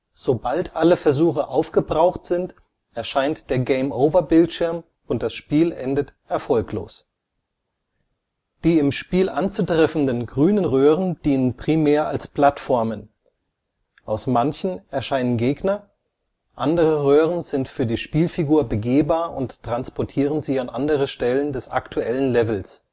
Sobald alle Versuche aufgebraucht sind, erscheint der Game-over-Bildschirm und das Spiel endet erfolglos. Die im Spiel anzutreffenden grünen Röhren dienen primär als Plattformen. Aus manchen erscheinen Gegner, andere Röhren sind für die Spielfigur begehbar und transportieren sie an andere Stellen des aktuellen Levels